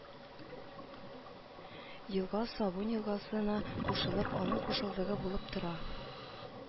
Елга Сабун елгасына кушылып, аның кушылдыгы булып тора